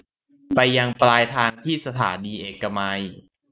ไปยังปลายทางที่สถานีเอกมัย